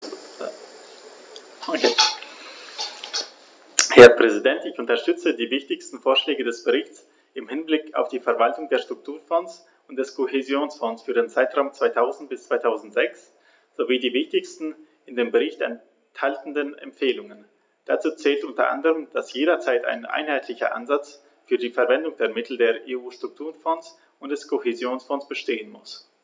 Herr Präsident, ich unterstütze die wichtigsten Vorschläge des Berichts im Hinblick auf die Verwaltung der Strukturfonds und des Kohäsionsfonds für den Zeitraum 2000-2006 sowie die wichtigsten in dem Bericht enthaltenen Empfehlungen. Dazu zählt u. a., dass jederzeit ein einheitlicher Ansatz für die Verwendung der Mittel der EU-Strukturfonds und des Kohäsionsfonds bestehen muss.